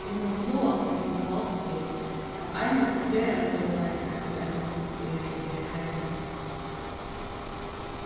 vit mugu sláa okkum til tols við at einastu ferðamøguleikar í eina tíð eru her heima